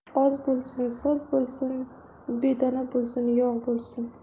oz bo'lsin soz bo'lsin bedana bo'lsin yog' bo'lsin